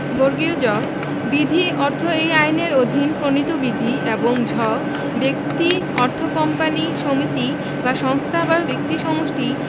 জ বিধি অর্থ এই আইনের অধীন প্রণীত বিধি এবং ঝ ব্যক্তি অর্থ কোম্পানী সমিতি বা সংস্থা বা ব্যক্তি সমষ্টি